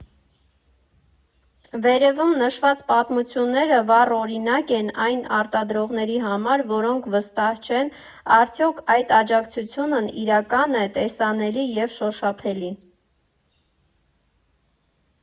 Վերևում նշված պատմությունները վառ օրինակ են այն արտադրողների համար, որոնք վստահ չեն՝ արդյո՞ք այդ աջակցությունն իրական է, տեսանելի և շոշափելի։